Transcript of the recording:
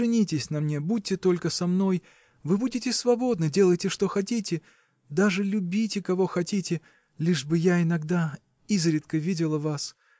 женитесь на мне, будьте только со мной. вы будете свободны делайте что хотите даже любите кого хотите лишь бы я иногда изредка видела вас.